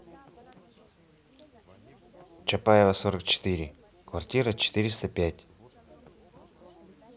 чапаева сорок четыре квартира четыреста пять